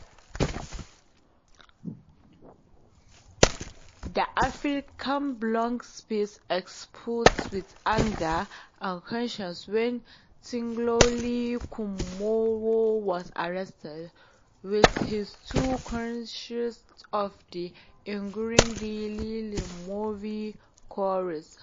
The African blogosphere exploded with anger and concern when Théophile Kouamouo was arrested with his two colleagues of the Ivorian Daily Le Nouveau Courrier.